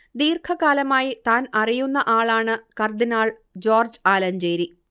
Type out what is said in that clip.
ദീർഘകാലമായി താൻ അറിയുന്ന ആളാണ് കർദിനാൾ ജോർജ്ജ് ആലഞ്ചേരി